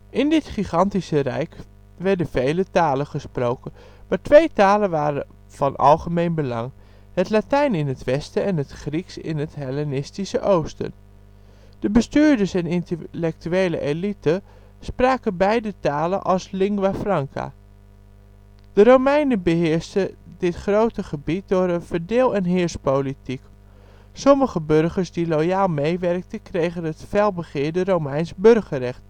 In dit gigantische rijk werden vele talen gesproken, maar twee talen waren van algemeen belang: het Latijn in het westen en het Grieks in het hellenistische oosten. De bestuurders en intellectuele elite spraken beide talen als lingua franca. De Romeinen beheersten dit grote gebied door een " verdeel en heers " politiek. Sommige burgers die loyaal meewerkten kregen het fel begeerde Romeins burgerrecht